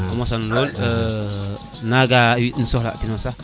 a mosan lool naga i soxla tino sax